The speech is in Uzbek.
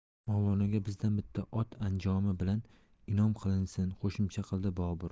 mavlonoga bizdan bitta ot anjomi bilan inom qilinsin qo'shimcha qildi bobur